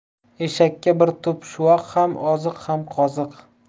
eshakka bir tup shuvoq ham oziq ham qoziq